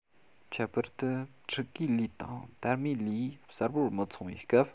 ཁྱད པར དུ ཕྲུ གུའི ལུས དང དར མའི ལུས གསལ པོར མི མཚུངས པའི སྐབས